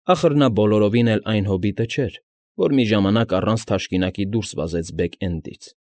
Ախր նա բոլորովին էլ այն հոբիտը չէր, որ մի ժամանակ առանց թաշկինակի դուրս վազեց Բեգ֊Էնդից։